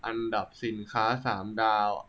อันดับสินค้าสามดาว